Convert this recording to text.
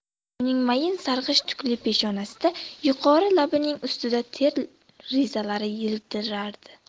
uning mayin sarg'ish tukli peshonasida yuqori labining ustida ter rezalari yiltirardi